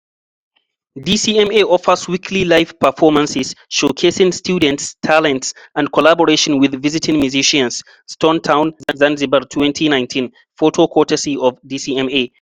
DCMA offers weekly live performances showcasing students’ talents and collaborations with visiting musicians, Stone Town, Zanzibar, 2019. Photo courtesy of DCMA.